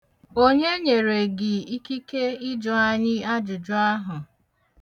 Onye nyere gị ikike ịjụ anyị ajụjụ ahụ?